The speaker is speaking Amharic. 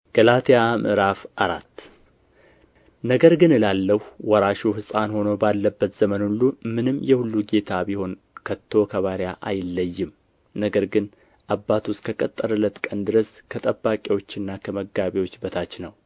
ገላትያ ምዕራፍ አራት ነገር ግን እላለሁ ወራሹ ሕፃን ሆኖ ባለበት ዘመን ሁሉ ምንም የሁሉ ጌታ ቢሆን ከቶ ከባሪያ አይለይም ነገር ግን አባቱ እስከ ቀጠረለት ቀን ድረስ ከጠባቂዎችና ከመጋቢዎች በታች ነው